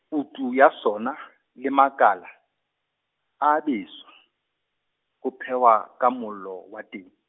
kutu ya sona, le makala, a a beswa, ho phehwa, ka mollo, wa teng.